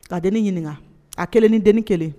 Ka deni ne ɲininka a kelen ni deni kelen